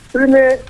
filmé